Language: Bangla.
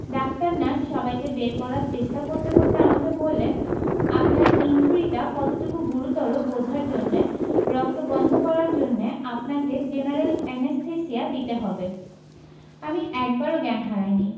ডাক্তার নার্স সবাইকে বের করার চেষ্টা করতে করতে আমাকে বললেন আপনার ইনজুরিটা কতটুকু গুরুতর বোঝার জন্যে রক্ত বন্ধ করার জন্যে আপনাকে জেনারেল অ্যানেসথেসিয়া দিতে হবে আমি একবারও জ্ঞান হারাইনি